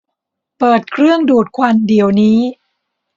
เปิดเครื่องดูดควันเดี๋ยวนี้